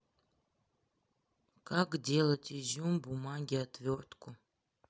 как делать изюм бумаги отвертку